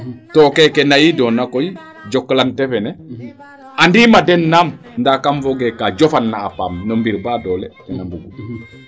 To keeke layiidoona koy Jokalante fene andiim a den naam ndaa kaam foog ee no ka jofan na a paam no mbir baadoole ten a bugu.